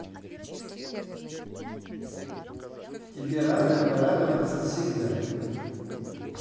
тебе рада порадоваться всегда